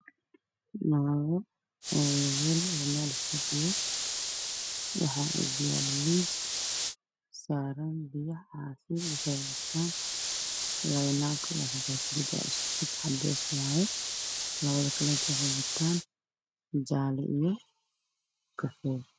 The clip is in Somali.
Naago iyo miis saaaran biyo caai